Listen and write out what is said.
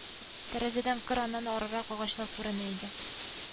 Тәрәзәдән краннан аррак агачлар күренә иде